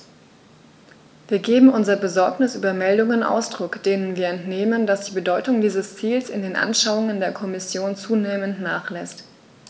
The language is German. Wir geben unserer Besorgnis über Meldungen Ausdruck, denen wir entnehmen, dass die Bedeutung dieses Ziels in den Anschauungen der Kommission zunehmend nachlässt.